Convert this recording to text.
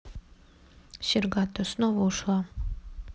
серьга ты снова ушла